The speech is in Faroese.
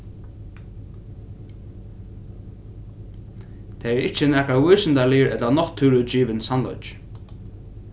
tað er ikki nakar vísindaligur ella náttúrugivin sannleiki